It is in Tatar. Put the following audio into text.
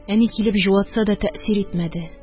Әни килеп җуатса да – тәэсир итмәде.